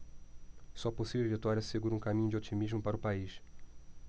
sua possível vitória assegura um caminho de otimismo para o país